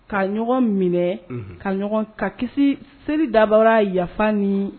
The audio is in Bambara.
Ka ɲɔgɔn minɛ ka ɲɔgɔn ka kisi . Seli dabɔra yafa ni